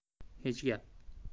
hech gap